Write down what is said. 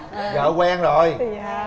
giờ quen rồi